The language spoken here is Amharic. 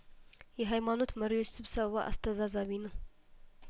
የሀይማኖት መሪዎች ስብሰባ አስተዛዛቢ ነው